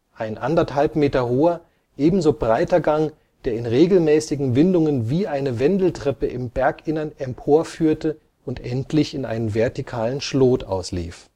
ein 1 1/2 m hoher, ebenso breiter Gang, der in regelmäßigen Windungen wie eine Wendeltreppe im Berginnern emporführte und endlich in einen vertikalen Schlot auslief